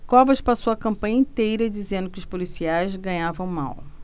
covas passou a campanha inteira dizendo que os policiais ganhavam mal